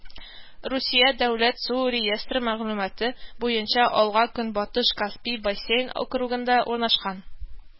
Русия дәүләт су реестры мәгълүматы буенча елга Көнбатыш Каспий бассейн округында урнашкан